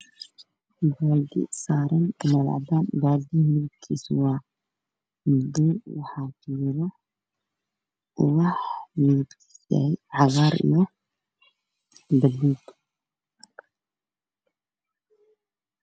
Waa geedo saaran meel madow ah ubax midabkisa yahay madow iyo buluug